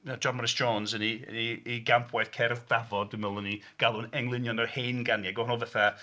John Morris Jones yn ei... yn ei gampwaith Cerdd Dafod dwi'n meddwl yn eu galw'n englynion yr hen ganiad gwahanol fatha...